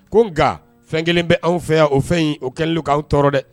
Ko nga fɛn kelen bi anw fɛ yan o fɛn in o kɛlen don kanw tɔɔrɔ dɛ.